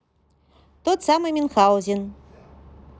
тут сам менхаузен